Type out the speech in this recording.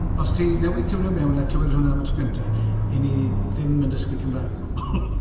Os chi newydd tiwnio mewn a clywed hwnna am y tro cyntaf, 'y ni ddim yn dysgu Cymraeg i bobl.